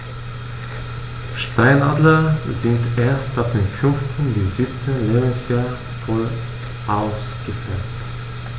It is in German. Steinadler sind erst ab dem 5. bis 7. Lebensjahr voll ausgefärbt.